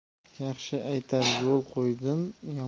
yaxshi aytar yo'l qo'ydim